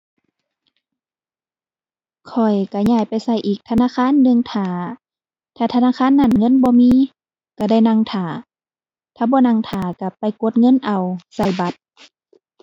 ข้อยก็ย้ายไปก็อีกธนาคารหนึ่งท่า ถ้าธนาคารนั้นเงินบ่มีก็ได้นั่งท่า ถ้าบ่นั่งท่าก็ไปกดเงินเอา ก็บัตร